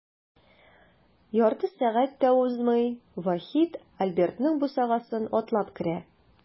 Ярты сәгать тә узмый, Вахит Альбертның бусагасын атлап керә.